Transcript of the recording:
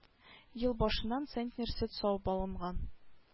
Ел башыннан центнер сөт савып алынган